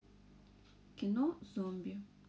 кино зомби